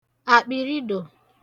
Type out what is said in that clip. àkpìridò